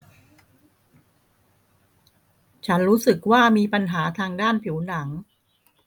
ฉันรู้สึกว่ามีปัญหาทางด้านผิวหนัง